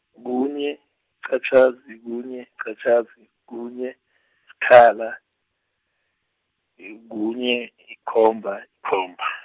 kunye, -qatjhazi, kunye, -qatjhazi, kunye, sikhala, yi- kunye, yikomba, yikomba.